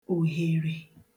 òhèrè